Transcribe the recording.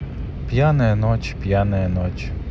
пьяная ночь пьяная ночь